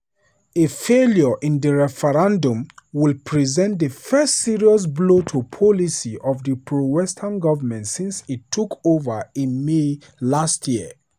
A failure in the referendum would represent the first serious blow to policy of the pro-Western government since it took over in May last year.